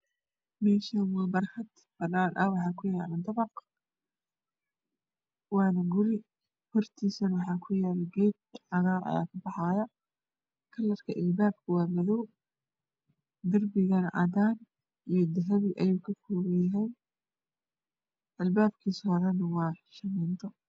Meshan waa barxad waxaa ku yala guri dabaq albabkisu waa qalin ged ayaa hortisa ka baxaya cadaran